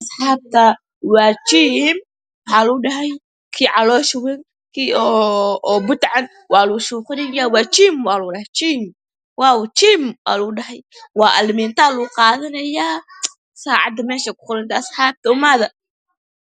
Asxaabtaa waa jiim waxaa lagu dhahay kii oo caloosha wayn kii oo butacan waa lagu shuuqinayaa waa jiim baa lagu dhahay waa jiim woow jiim aa lagu dhahay waa ala miito aa lagu qaadanayaa aa lagu dhahay saacada meeshay ku qoran tahay asxaabta u imaada